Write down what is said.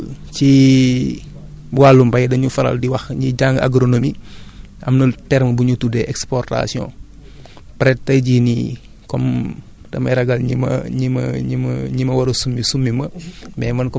donc ci wàllu mbay dañu faral di wax ñiy jàng agronomie am na terme bu ñu tuddee exportation peut être tay jii nii comme damay ragal ñi ma ñi ma ñi ma ñi ma war a summi summi ma